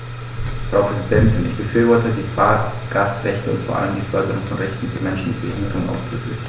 Frau Präsidentin, ich befürworte die Fahrgastrechte und vor allem die Förderung von Rechten für Menschen mit Behinderung ausdrücklich.